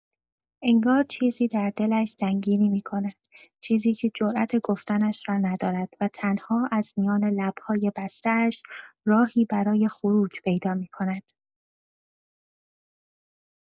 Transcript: انگار چیزی در دلش سنگینی می‌کند، چیزی که جرات گفتنش را ندارد و تنها از میان لب‌های بسته‌اش راهی برای خروج پیدا می‌کند.